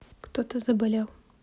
кто то заболел